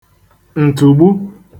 ǹtụ̀gbu